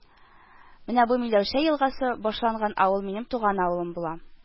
Менә бу Миләүшә елгасы башланган авыл минем туган авылым була